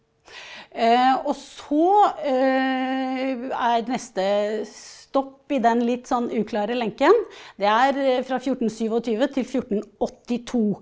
og så er neste stopp i den litt sånn uklare lenken, det er fra 1427 til fjortenåttito.